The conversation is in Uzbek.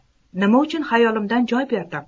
nima uchun xayolimdan joy berdim